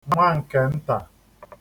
nwa nke ntà